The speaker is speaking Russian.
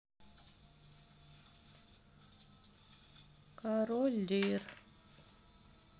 король лир